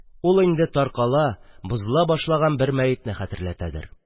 Ул инде таркала, бозыла башлаган бер мәетне хәтерләтәдер.